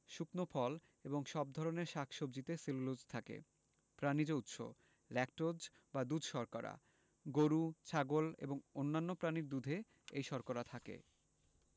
শুকনো ফল এবং সব ধরনের শাক সবজিতে সেলুলোজ থাকে প্রানিজ উৎস ল্যাকটোজ বা দুধ শর্করা গরু ছাগল এবং অন্যান্য প্রাণীর দুধে এই শর্করা থাকে